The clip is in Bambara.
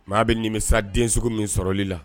Maa bɛ nimi sa dens min sɔrɔli la